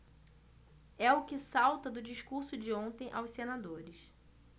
é o que salta do discurso de ontem aos senadores